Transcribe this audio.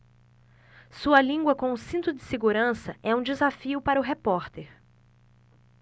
sua língua com cinto de segurança é um desafio para o repórter